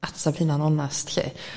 atab hunan onast 'llu